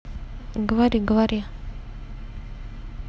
говори говори